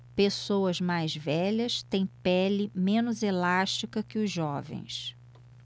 pessoas mais velhas têm pele menos elástica que os jovens